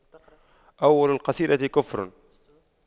أول القصيدة كفر